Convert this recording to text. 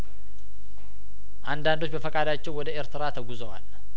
አንዳንዶች በፈቃዳቸው ወደ ኤርትራ ተጉዘዋል